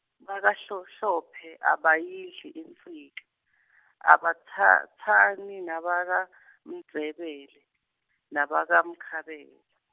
BakaHlo- -hlophe abayidli intsaki , abatsatsani nebakaMndzebele nebakaMkhabela.